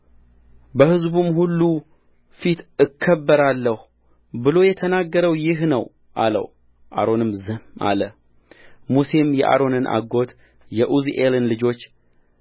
በሕዝቡም ሁሉ ፊት እከብራለሁ ብሎ የተናገረው ይህ ነው አለው አሮንም ዝም አለሙሴም የአሮንን አጎት የዑዝኤልን ልጆች